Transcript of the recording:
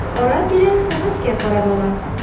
Ара-тирә сәгатькә карап ала.